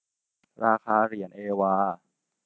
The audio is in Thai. ราคาเหรียญเอวา